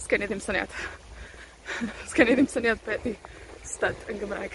'Sgen i ddim syniad. 'Sgen i ddim syniad be' 'di styd yn Gymraeg.